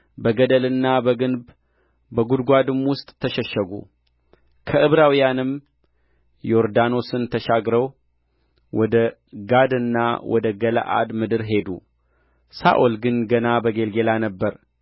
በገደልና በግንብ በጕድጓድም ውስጥ ተሸሸጉ ከዕብራውያንም ዮርዳኖስን ተሻግረው ወደ ጋድና ወደ ገለዓድ ምድር ሄዱ ሳኦል ግን ገና በጌልገላ ነበረ